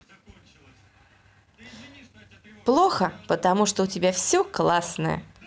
плохо потому что у тебя все классное